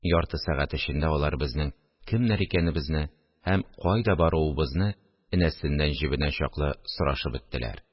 Ярты сәгать эчендә алар безнең кемнәр икәнебезне һәм кайда баруыбызны энәсеннән-җебенә чаклы сорашып беттеләр